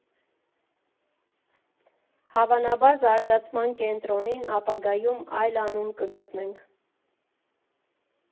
Հավանաբար զարգացման կենտրոնին ապագայում այլ անուն կգտնենք։